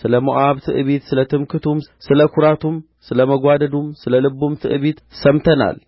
ስለ ሞዓብ ትዕቢት ስለ ትምክህቱም ስለ ኩራቱም ስለ መጓደዱም ስለ ልቡም ትዕቢት ሰምተናል